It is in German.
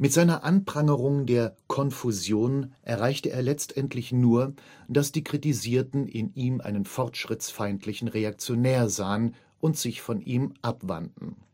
seiner Anprangerung der Konfusion erreichte er letztendlich nur, dass die Kritisierten in ihm einen fortschrittsfeindlichen Reaktionär sahen und sich von ihm abwandten